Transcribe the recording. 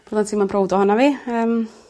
bod o'n teimlo'n browd ohono fi. Yym.